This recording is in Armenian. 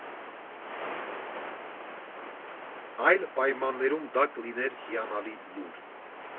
Այլ պայմաններում դա կլիներ հիանալի լուր։